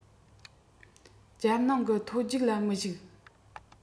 རྒྱལ ནང གི མཐོ རྒྱུགས ལ མི ཞུགས